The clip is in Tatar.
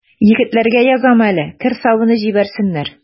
Егетләргә язам әле: кер сабыны җибәрсеннәр.